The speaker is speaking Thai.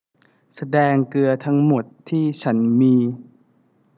แสดงเกลือทั้งหมดที่ฉันมี